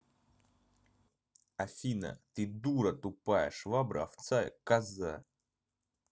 афина ты дура тупая швабра овца коза